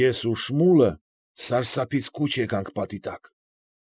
Ես ու Շմուլը սարսափից կուչ եկանք պատի տակ։